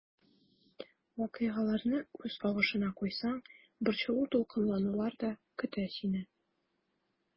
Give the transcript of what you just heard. Вакыйгаларны үз агышына куйсаң, борчылу-дулкынланулар да көтә сине.